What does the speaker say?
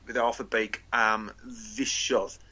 bydd e off y beic am fishodd.